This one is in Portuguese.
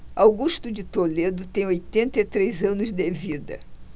augusto de toledo tem oitenta e três anos de vida